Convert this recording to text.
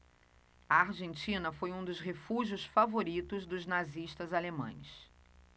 a argentina foi um dos refúgios favoritos dos nazistas alemães